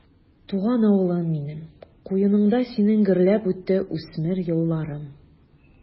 Туган авылым минем, куеныңда синең гөрләп үтте үсмер елларым.